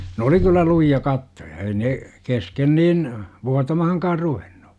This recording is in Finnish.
ne oli kyllä lujia kattoja ei ne kesken niin vuotamaankaan ruvennut